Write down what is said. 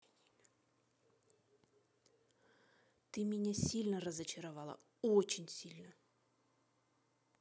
ты меня сильно разочаровала очень сильно